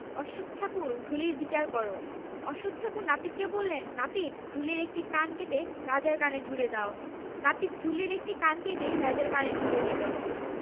অশ্বত্থ ঠাকুর ঢুলির বিচার কর অশ্বত্থ ঠাকুর নাপিতকে বললেননাপিত ঢুলির একটি কান কেটে রাজার কানে জুড়ে দাও নাপিত ঢুলির একটি কান কেটে রাজার কানে জুড়ে দিল